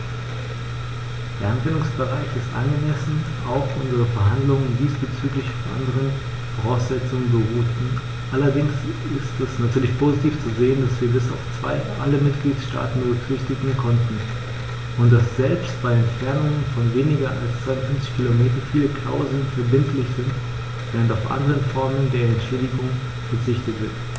Der Anwendungsbereich ist angemessen, auch wenn unsere Verhandlungen diesbezüglich auf anderen Voraussetzungen beruhten, allerdings ist es natürlich positiv zu sehen, dass wir bis auf zwei alle Mitgliedstaaten berücksichtigen konnten, und dass selbst bei Entfernungen von weniger als 250 km viele Klauseln verbindlich sind, während auf andere Formen der Entschädigung verzichtet wird.